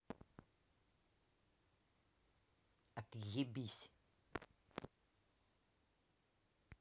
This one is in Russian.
отъебись